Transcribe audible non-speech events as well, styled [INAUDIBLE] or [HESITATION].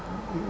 [HESITATION] [HESITATION]